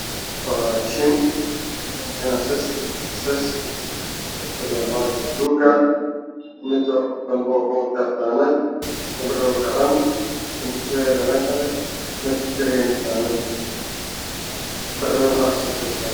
Waa naago ku fadhiya buufin buluug ah